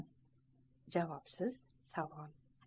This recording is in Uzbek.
javobsiz savol